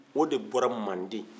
o de bɔra manden